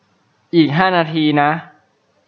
อีกห้านาทีนะ